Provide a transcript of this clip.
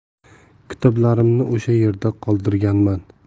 kitoblarimni o'sha yerda qoldirganman